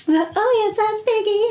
O, yes, that's Piggy!